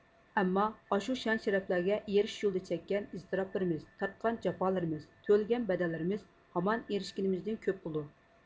ئەمما ئاشۇ شان شەرەپلەرگە ئېرىشىش يولىدا چەككەن ئىزتىراپلىرىمىز تارتقان جاپالىرىمىز تۆلىگەن بەدەللىرىمىز ھامان ئېرىشكىنىمىزدىن كۆپ بولىدۇ